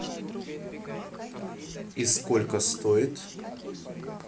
и сколько стоит